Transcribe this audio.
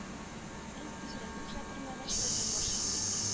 Әйт тизрәк, юкса төрмәдә черетәм башыңны